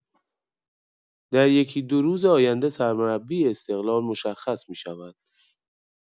در یکی دو روز آینده سرمربی استقلال مشخص می‌شود.